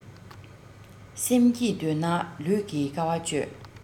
སེམས སྐྱིད འདོད ན ལུས ཀྱི དཀའ བ སྤྱོད